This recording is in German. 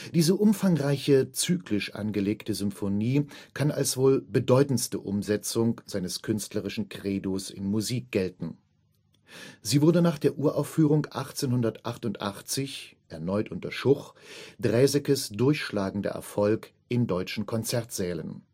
Diese umfangreiche, zyklisch angelegte Symphonie kann als wohl bedeutendste Umsetzung seines künstlerischen Credos in Musik gelten. Sie wurde nach der Uraufführung 1888, erneut unter Schuch, Draesekes durchschlagender Erfolg in deutschen Konzertsälen